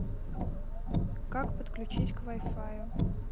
как подключить к вай фаю